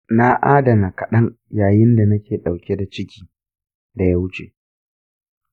na adana kaɗan yayin da nake ɗauke da ciki daya wuce.